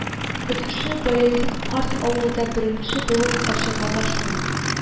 Көтүче Баязит карт авылда беренче булып ачыга башлый